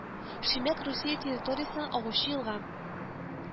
Шимәк Русия территориясеннән агучы елга